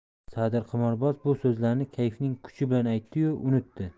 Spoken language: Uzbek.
sadirqimorboz bu so'zlarni kayfning kuchi bilan aytdi yu unutdi